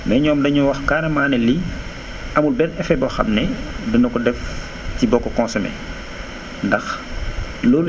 mais ñoom dañoo wax carrement ne lii amul benn effet boo xam ne dana ko def ci boo ko consommé ndax loolu